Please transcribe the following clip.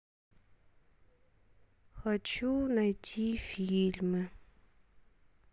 хочу найти фильмы